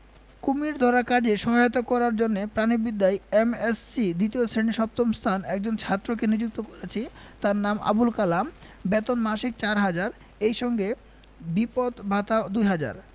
কুমীর ধরার কাজে সহায়তা করার জন্যে প্রাণীবিদ্যায় এম এস সি দ্বিতীয় শ্রেণী সপ্তম স্থান একজন ছাত্রকে নিযুক্ত করেছি তার নাম আবুল কালাম বেতন মাসিক চার হাজার এই সঙ্গে বিপদ ভাতা দু'হাজার